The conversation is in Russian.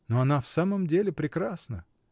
Но она в самом деле прекрасна.